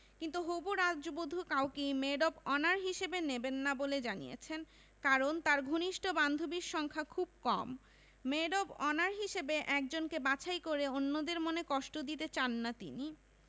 কিন্তু হবু রাজবধূ কাউকেই মেড অব অনার হিসেবে নেবেন না বলে জানিয়েছেন কারণ তাঁর ঘনিষ্ঠ বান্ধবীর সংখ্যা খুব কম মেড অব অনার হিসেবে একজনকে বাছাই করে অন্যদের মনে কষ্ট দিতে চান না তিনি